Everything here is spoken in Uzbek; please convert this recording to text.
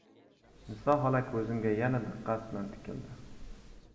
niso xola ko'zimga yana diqqat bilan tikildi